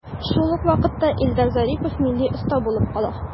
Шул ук вакытта Илдар Зарипов милли оста булып кала.